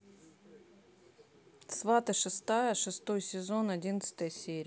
сваты шестая шестой сезон одиннадцатая серия